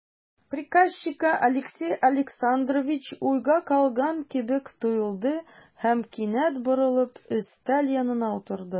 Приказчикка Алексей Александрович уйга калган кебек тоелды һәм, кинәт борылып, өстәл янына утырды.